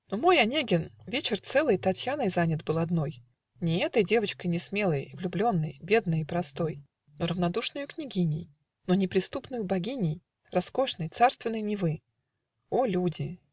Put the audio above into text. Но мой Онегин вечер целый Татьяной занят был одной, Не этой девочкой несмелой, Влюбленной, бедной и простой, Но равнодушною княгиней, Но неприступною богиней Роскошной, царственной Невы. О люди!